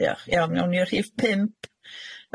Diolch iawn awn ni i rhif pump.